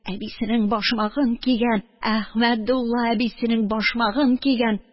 Әбисенең башмагын кигән, Әхмәдулла әбисенең башмагын кигән.